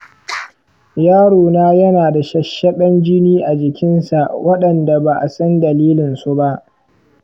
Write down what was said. yaro na yana da shasshaɓen jini a jikinsa waɗanda ba a san dalilinsu ba.